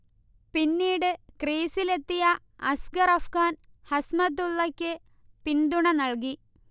പിന്നീട് ക്രീസിലെത്തിയ അസ്ഗർ അഫ്ഗാൻ, ഹഷ്മതുള്ളയക്ക് പിന്തുണ നൽകി